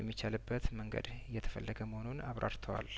የሚቻልበት መንገድ እየተፈለገ መሆኑን አብራርተዋል